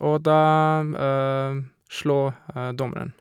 Og da slå dommeren.